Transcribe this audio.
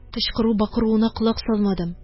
Кычкыру-бакыруына колак салмадым